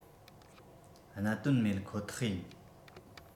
གནད དོན མེད ཁོ ཐག ཡིན